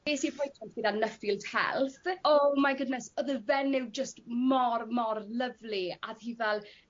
Ges i appointment gyda Nuffield Health oh my goodness o'dd y fenyw jyst mor mor lyfli a o'dd hi fel